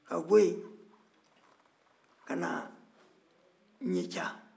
ka bɔ yen ka na ɲica